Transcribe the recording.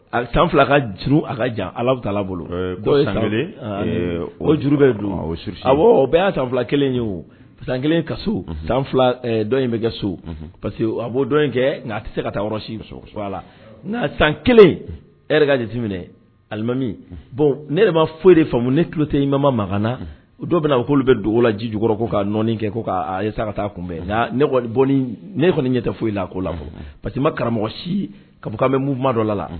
San fila ka juru a ka jan ala ala bolo o juru bɛ don a bɛɛ y' san fila kelen ye o san kelen ka so dɔ in bɛ kɛ so parce que a b'o dɔn kɛ nka a tɛ se ka taa yɔrɔ si a la n san kelen e jate minɛ alimami bɔn ne yɛrɛ ma foyi de fa ne tulolo tɛ ma makanana dɔw bɛna k'olu bɛ dogo la ji jukɔrɔ ka nɔɔni kɛ ko' sa ka taa kunbɛn ne kɔni ɲɛ tɛ foyi la k' la parce que ma karamɔgɔ si kabkan bɛ munma dɔ la